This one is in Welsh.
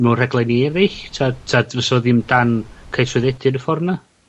mewn rhaglenni eryll, t'od t'od fysa fo ddim dan ca'l 'i trwyddedi yn y ffor 'na.